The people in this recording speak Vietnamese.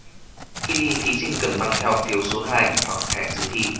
khi đi thí sinh cần mang theo phiếu số hai hoặc thẻ dự thi